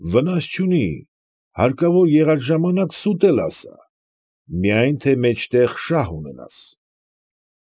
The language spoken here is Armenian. Վնաս չունի, հարկավոր եղած ժամանակ սուտ էլ ասա, միայն թե մեջտեղ շահ ունենաս։